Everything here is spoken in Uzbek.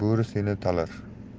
bo'ri ceni talar